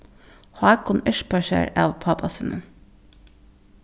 hákun erpar sær av pápa sínum